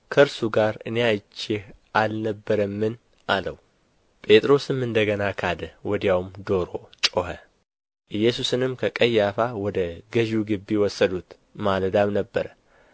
ከእርሱ ጋር እኔ አይቼህ አልነበረምን አለው ጴጥሮስም እንደ ገና ካደ ወዲያውም ዶሮ ጮኸ ኢየሱስንም ከቀያፋ ወደ ገዡ ግቢ ወሰዱት ማለዳም ነበረ